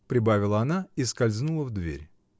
— прибавила она и скользнула в дверь.